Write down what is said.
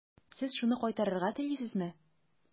Сез шуны кайтарырга телисезме?